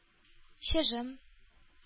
Чыжым